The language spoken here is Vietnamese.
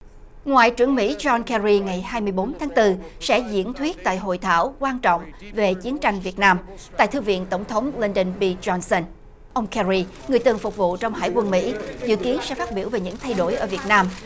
ngoại trưởng mỹ gion ke ri ngày hai mươi bốn tháng tư sẽ diễn thuyết tại hội thảo quan trọng về chiến tranh việt nam tại thư viện tổng thống lân đần bi gion sơn ông ke ri người từng phục vụ trong hải quân mỹ dự kiến sẽ phát biểu về những thay đổi ở việt nam